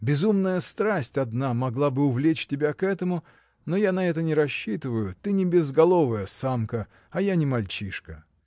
Безумная страсть одна могла бы увлечь тебя к этому, но я на это не рассчитываю: ты не безголовая самка, а я не мальчишка.